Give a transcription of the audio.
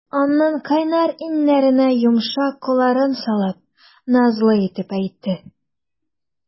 Аның кайнар иңнәренә йомшак кулларын салып, назлы итеп әйтте.